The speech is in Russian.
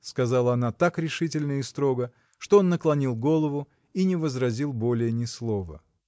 — сказала она так решительно и строго, что он наклонил голову и не возразил более ни слова.